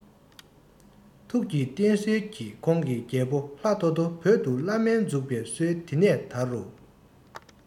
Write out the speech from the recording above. ཐུགས ཀྱི རྟེན གསེར གྱི ཁོང གིས རྒྱལ པོ ལྷ ཐོ ཐོ བོད དུ བླ སྨན འཛུགས པའི སྲོལ དེ ནས དར རོ